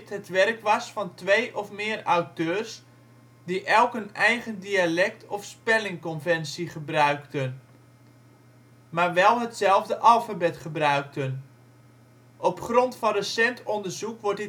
het werk was van twee of meer auteurs die elk een eigen dialect of spellingconventie gebruikten, maar wel hetzelfde alfabet gebruikten. Op grond van recent onderzoek wordt